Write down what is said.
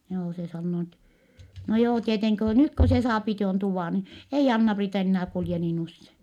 joo se sanoo niin että no joo tietenkin kun nyt kun se saa tuon tuvan niin ei Anna-Priita enää kulje niin usein